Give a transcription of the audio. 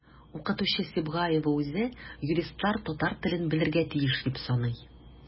Укытучы Сибгаева үзе юристлар татар телен белергә тиеш дип саный.